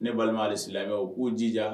Ne balima alisilamɛw u k'u jija